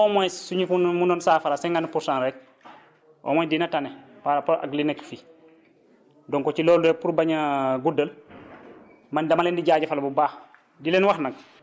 te au moins su ñu ko mënoon saafara cinquante pour cent rek au moins dina tane par rapport ak li nekk fii donc ci loolu lépp pour bañ a guddal man dama leen di jaajëfal bu baax